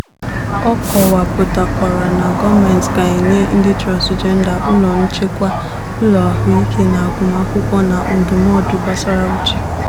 Ọ kọwapụtakwara na gọọmentị ga-enye ndị transịjenda ụlọ nchekwa, ụlọ ahụike na agụmakwụkwọ na ndụmọdụ gbasara uche.